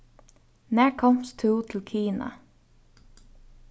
nær komst tú til kina